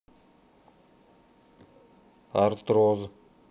артроз